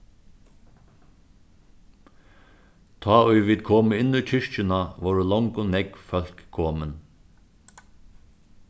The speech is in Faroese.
tá ið vit komu inn í kirkjuna vóru longu nógv fólk komin